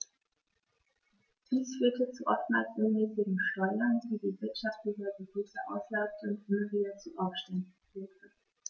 Dies führte zu oftmals unmäßigen Steuern, die die Wirtschaft dieser Gebiete auslaugte und immer wieder zu Aufständen führte.